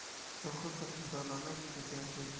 tohir qizning badani titrayotganini sezdi